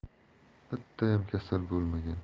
bittayam kasal bo'lmagan